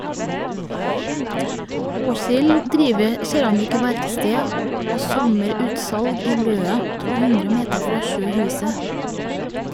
Aashild driver keramikkverksted og sommer-utsalg i løa , 200 meter fra sjøhuset.